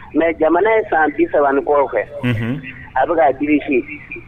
Mɛ jamana ye san bi3ban niɔgɔ fɛ a bɛ jirifin